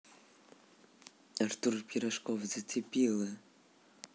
артур пирожков зацепила